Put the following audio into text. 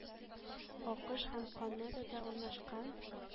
Акыш һәм канадада урнашкан,